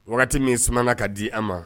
O wagati min sumaumana ka di an ma